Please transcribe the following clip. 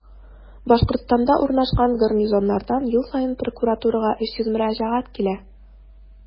Башкортстанда урнашкан гарнизоннардан ел саен прокуратурага 300 мөрәҗәгать килә.